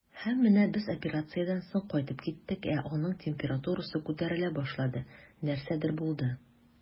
Һәм менә без операциядән соң кайтып киттек, ә аның температурасы күтәрелә башлады, нәрсәдер булды.